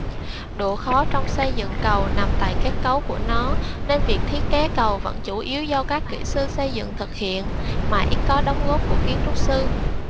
độ khó trong xây dựng cầu nằm tại kết cấu của nó nên việc thiết kế cầu vẫn chủ yếu do các kỹ sư xây dựng thực hiện mà ít có đóng góp của kiến trúc sư